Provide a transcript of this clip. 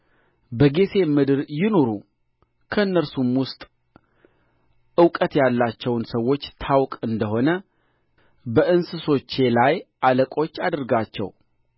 በጌሤም ምድር ይኑሩ ከእነርሱም ውስጥ እውቀት ያላቸውን ሰዎች ታውቅ እንደ ሆነ በእንስሶቼ ላይ አለቆች አድርጋቸው